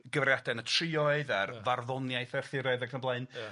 gymeriada yn y trioedd a'r farddoniaeth Arthuraidd ac yn y blaen. Ia.